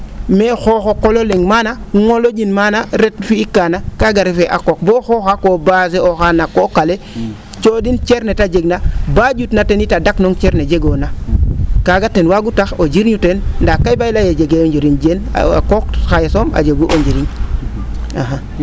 mais xooxo qol o le? maana ?olo?in maana ret fi'ik kaana kaaga refee a qooq bo o xooxaa ko baser ooxa na qooq ale coo?in cerne te jeg na ba ?utna ten itam te daknong cer ne jegoona kaaga ten waagu tax o jirñu teen nda kay baa i leye jegee njiriñ ax